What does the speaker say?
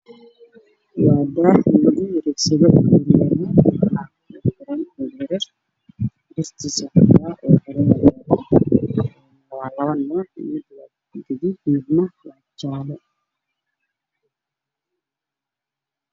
Halkaan waxaa ka muuqdo daah guduudan iyo mid jaalo ah